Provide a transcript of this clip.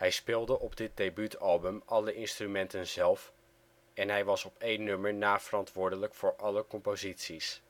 speelde op dit debuutalbum alle instrumenten zelf en hij was op één nummer na verantwoordelijk voor alle composities